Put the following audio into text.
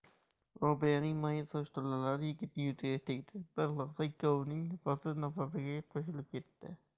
robiyaning mayin soch tolalari yigitning yuziga tegdi bir lahza ikkovining nafasi nafasiga qo'shilib ketdi